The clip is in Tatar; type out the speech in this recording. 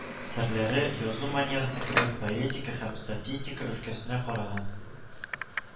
Серләре, язу манерасы кебек поэтика һәм статистика өлкәсенә караган